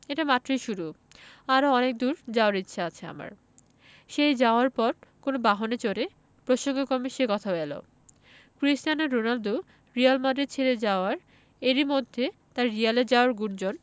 এটা মাত্রই শুরু আরও অনেক দূর যাওয়ার ইচ্ছা আছে আমার সেই যাওয়ার পথ কোন বাহনে চড়ে প্রসঙ্গক্রমে সে কথাও এল ক্রিস্টিয়ানো রোনালদো রিয়াল মাদ্রিদ ছেড়ে যাওয়ায় এরই মধ্যে তাঁর রিয়ালে যাওয়ার গুঞ্জন